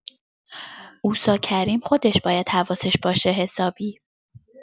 اوسا کریم خودش باید حواسش باشه حسابی